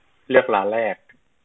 เลือกร้านแรก